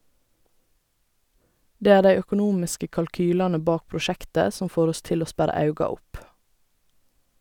Det er dei økonomiske kalkylane bak prosjektet som får oss til å sperra auga opp.